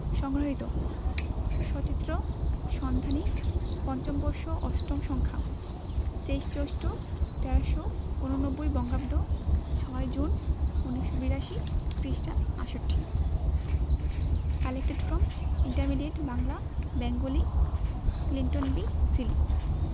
সংগৃহীত সচিত্র সন্ধানী৫ম বর্ষ ৮ম সংখ্যা ২৩ জ্যৈষ্ঠ ১৩৮৯ বঙ্গাব্দ/৬ জুন ১৯৮২ পৃষ্ঠাঃ ৬৮ collected from intermediate Bangla Bengali Clinton B Seely